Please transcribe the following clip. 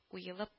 Уелып